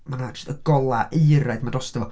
Mae 'na jyst y golau euraidd 'ma drosto fo.